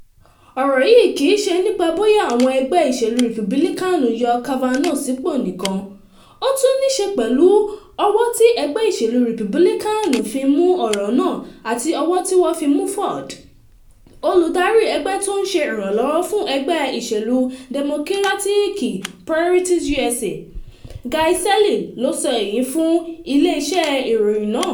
“Ọ̀rọ̀ yìí kìí ṣe nípa bóyá àwọn ẹgbẹ́ ìṣèlú Rìpúbílíkáànì yan Kavanaugh sípò nìkan, ó tún nííṣe pẹ̀lú ọwọ́ tí ẹgbẹ́ ìṣèlú Rìpúbílíkáànì fi mú ọ̀rọ̀ náà àti ọwọ́ tí wọ́n fi mú Ford” Olùdarí ẹgbẹ́ tó ń ṣe ìrànlọ́wọ́ fún ẹgbẹ́ ìṣèlú Dẹ́mókírààtì Priorities USA, Guy Cecil ló sọ èyí fún ilé iṣẹ́ ìròyìn náà.